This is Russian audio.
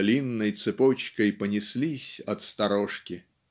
длинной цепочкой понеслись от сторожки".